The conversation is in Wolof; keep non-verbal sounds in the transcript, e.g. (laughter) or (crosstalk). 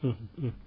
(hesitation) (hesitation)